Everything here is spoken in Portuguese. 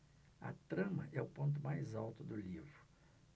a trama é o ponto mais alto do livro